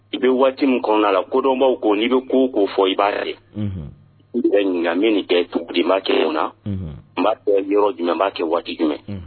I bɛ waati min kɔnɔna a la kodɔnbaw ko n bɛ k ko k'o fɔ i b'a yɛrɛ ye min kɛ tubakɛ mun na yɔrɔ jumɛn b'a kɛ waati jumɛn